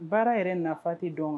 Baara yɛrɛ nafafati dɔn kan